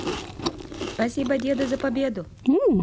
спасибо деду за победу